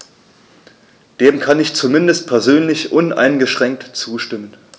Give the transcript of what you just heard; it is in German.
Dem kann ich zumindest persönlich uneingeschränkt zustimmen.